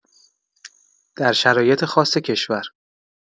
در شرایط خاص کشور